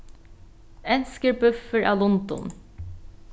enskur búffur av lundum